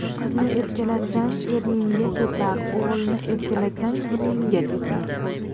qizni erkalatsang erningga tepar o'g'ilni erkalatsang burningga tepar